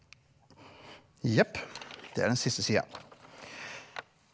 jepp det er den siste sida.